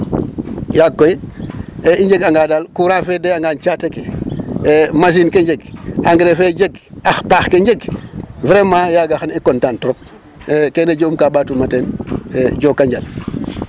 Yaag koy i njeganga daal courant fe doyanga caate ke e% machine ke njeg engrais fe jeg ax paax ke njeg vraiment yaaga xan i content trop e kene jegum ka ɓaatuma teen ee jooko njal.